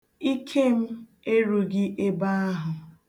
Ike m erughị ebe ahụ.